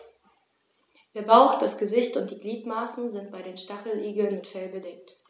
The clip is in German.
Der Bauch, das Gesicht und die Gliedmaßen sind bei den Stacheligeln mit Fell bedeckt.